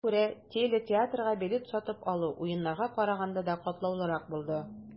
Шуңа күрә телетеатрга билет сатып алу, Уеннарга караганда да катлаулырак булды.